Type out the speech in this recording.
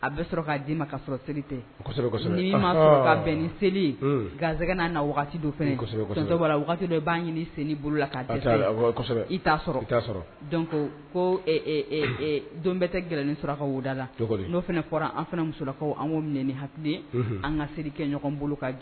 A bɛn ni seli gansɛgɛ n'a na dɔ b'a ɲini sen bolo la' i ta ko ko don bɛɛ tɛ gɛlɛnni sɔrɔka wuda la n fana fɔra an fana musolakaw an ni hakili an ka seli kɛ ɲɔgɔn bolo ka